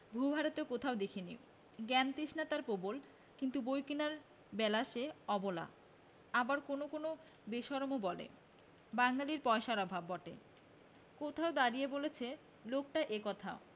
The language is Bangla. ভূ ভারতে কোথাও দেখি নি জ্ঞানতৃষ্ণা তার প্রবল কিন্তু বই কেনার বেলা সে অবলা আবার কোনো কোনো বেশরম বলে বাঙালীর পয়সার অভাব বটে কোথায় দাঁড়িয়ে বলছে লোকটা এ কথা